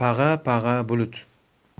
pag'a pag'a bulut